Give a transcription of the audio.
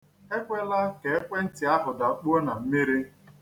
Ekwela ka ekwentị ahụ dakpuo na mmiri.